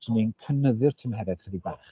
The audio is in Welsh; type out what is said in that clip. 'swn i'n cynnyddu'r tymheredd chydig bach.